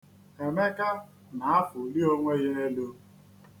Emeka na-afụli onwe ya elu.